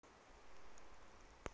афина что ты несешь это не смешной анекдот